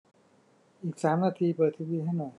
อีกสามนาทีเปิดทีวีให้หน่อย